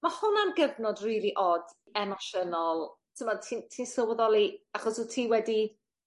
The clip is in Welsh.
Ma' hwnna'n gyfnod rili od emosiynol t'mod ti'n ti'n sylweddoli achos o' ti wedi